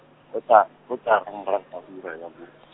kota-, kotara morago ga ura ya bo- .